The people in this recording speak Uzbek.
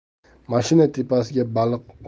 mashina tepasiga baliq